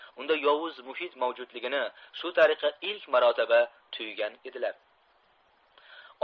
unda yovuz muhit mavjudligini shu tariqa ilk marotaba tuygan edilar